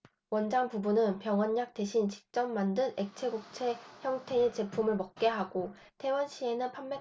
원장 부부는 병원 약 대신 직접 만든 액체 고체 형태의 제품을 먹게 하고 퇴원 시에는 판매까지 했다는 게 이들의 주장이다